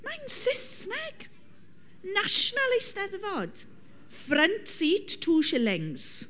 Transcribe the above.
Mae'n Saesneg! National Eisteddfod... front seat two shillings.